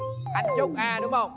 anh chốt a đúng hông